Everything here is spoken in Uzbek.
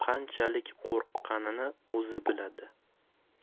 qanchalik qo'rqqanini o'zi biladi